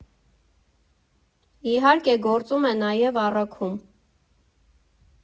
Իհարկե, գործում է նաև առաքում։